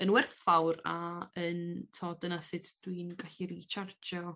yn werthfawr a yn t'od dyna sut dwi'n gallu rî-tsarjio.